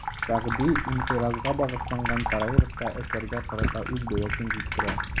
Сәгъди «инкыйраз»га багышланган параграфта, әсәргә карата үз бәясен җиткерә.